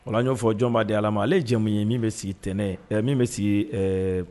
Ola y ɲɔgɔno fɔ jɔnɔn'a di ala ma ale jɛmu ye min bɛ sigi tɛnɛn min bɛ sigi